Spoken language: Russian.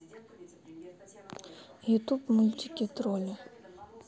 ютуб мультик тролли